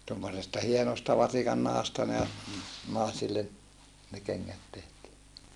tuommoisesta hienosta vasikannahasta ne naisille ne kengät tehtiin